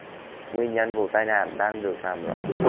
nguyên nhân vụ tai nạn đang được làm rõ